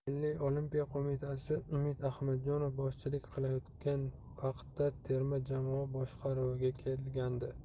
u milliy olimpiya qo'mitasiga umid ahmadjonov boshchilik qilayotgan vaqtda terma jamoa boshqaruviga kelgandi